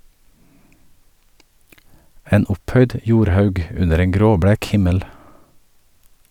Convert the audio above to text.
En opphøyd jordhaug under en gråblek himmel.